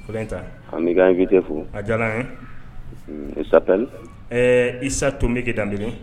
Ko ta an ka fi tɛ fo a diyara i isa tun bɛge kɛ dan kelen